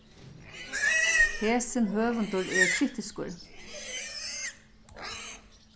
hesin høvundur er kritiskur